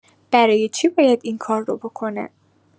برای چی باید این کار رو بکنم؟